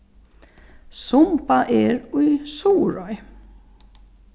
sumba er í suðuroy